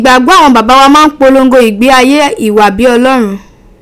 Igbagbo awon baba wa ma n polongo igbe aye iwa bi Olorun.